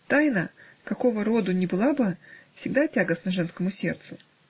Тайна, какого роду ни была бы, всегда тягостна женскому сердцу.